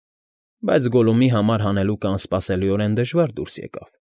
Բայց Գոլլումի համար հանելուկը անսպասելիորեն դժվար դուրս եկավ։